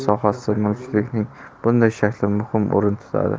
sanoat sohasida mulkchilikning bunday shakli muhim o'rin tutadi